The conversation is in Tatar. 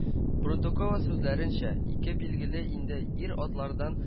Брундукова сүзләренчә, ике билгеле инде – ир-атлардан